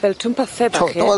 Fel twmpathe bach ie?